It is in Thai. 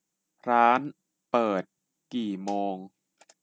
ร้านเปิดกี่โมง